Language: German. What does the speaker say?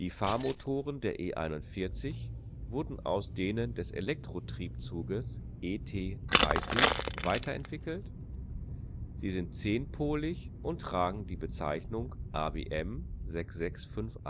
Fahrmotoren der E 41 wurden aus denen des Elektrotriebzuges ET 30 weiterentwickelt, sie sind zehnpolig und tragen die Bezeichnung ABM 6651